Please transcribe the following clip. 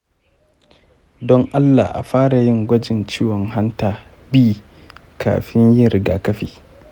don allah a fara yin gwajin ciwon hanta b kafin yin rigakafi.